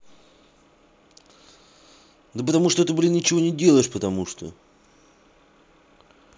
да потому что ты блин ничего не делаешь потому что